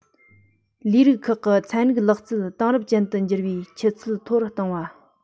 ལས རིགས ཁག གི ཚན རིག ལག རྩལ དེང རབས ཅན དུ འགྱུར བའི ཆུ ཚད མཐོ རུ གཏོང བ